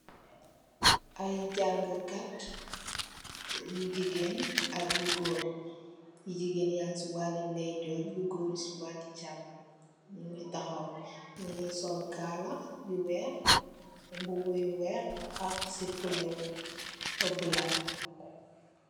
Ay jàngkat yi jigéen ak yu gòor. Yi jigéen yang ci wali ndejor, yu gòor yi ci wali chàmoñ nungi tahaw ñungi sol kala yu weeh, mbubu yu weeh ak sipa yu bulo.